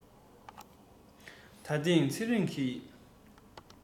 ད ཐེངས ཚེ རིང གིས